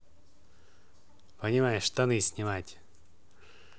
понимаешь штаны снимать